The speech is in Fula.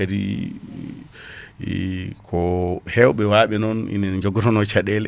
kaadi ko hewɓe waɓe non ina jogotono caɗele